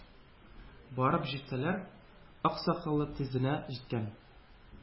Барып җитсәләр, ак сакалы тезенә җиткән,